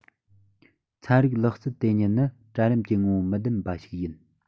ཚན རིག ལག རྩལ དེ ཉིད ནི གྲལ རིམ གྱི ངོ བོ མི ལྡན པ ཞིག རེད